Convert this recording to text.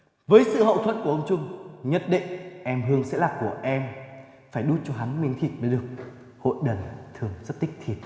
với sự hậu thuẫn của ông trung nhất định em hương sẽ là của em phải đút cho hắn miếng thịt mới được hội đần thường rất thích thịt